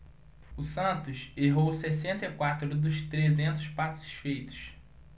o santos errou sessenta e quatro dos trezentos passes feitos